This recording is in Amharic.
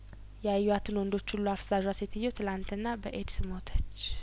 ያዩዋትን ወንዶች ሁሉ አፍዛዧ ሴትዮ ትላንትና በእድስ ሞተች